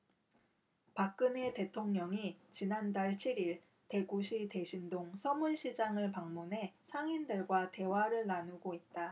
박근혜 대통령이 지난달 칠 일 대구시 대신동 서문시장을 방문해 상인들과 대화를 나누고 있다